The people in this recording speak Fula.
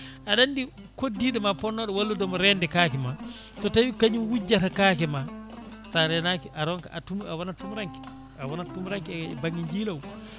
aɗa andi koddiɗoma ponnoɗo walludema rende kaake ma so tawi ko kañum wujata kaake ma sa renaki a ronkan a wonan tumuranke a wonat tumuranke e banggue jiilaw